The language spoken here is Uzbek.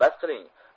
bas qiling